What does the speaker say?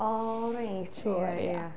O reit siŵr, ia.